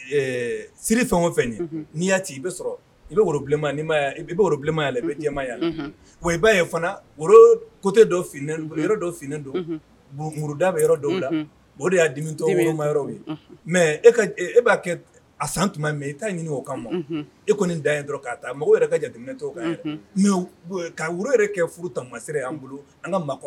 I woro i bɛya i'a ye fana woro kote dɔ f yɔrɔ dɔ f don bon muruda bɛ yɔrɔ dɔw la o de y' dimi to e ma yɔrɔ ye mɛ e b'a kɛ a san tuma min i taa ɲini oo kama ma e kɔni nin da ye dɔrɔn k'a taa mago yɛrɛ ka jatetɔ' mɛ ka woro yɛrɛ kɛ furu ta ma sira y'an bolo an ka